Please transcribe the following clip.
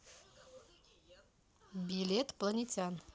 билет планетян